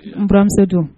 N buranmuso dun